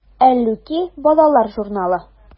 “әллүки” балалар журналы.